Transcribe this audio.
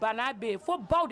Ban bɛ fo baw